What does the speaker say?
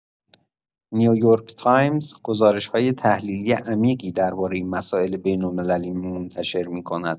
نیویورک‌تایمز گزارش‌های تحلیلی عمیقی درباره مسائل بین‌المللی منتشر می‌کند.